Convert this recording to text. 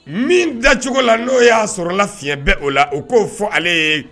Min dacogo la n'o y'a sɔrɔ la fiɲɛ bɛɛ o la o k'o fɔ ale ye